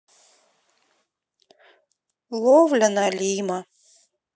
ловля налима